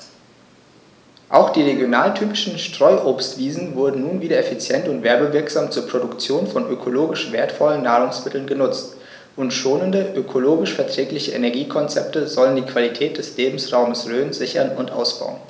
Auch die regionaltypischen Streuobstwiesen werden nun wieder effizient und werbewirksam zur Produktion von ökologisch wertvollen Nahrungsmitteln genutzt, und schonende, ökologisch verträgliche Energiekonzepte sollen die Qualität des Lebensraumes Rhön sichern und ausbauen.